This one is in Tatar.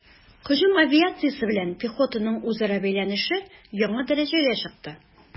Һөҗүм авиациясе белән пехотаның үзара бәйләнеше яңа дәрәҗәгә чыкты.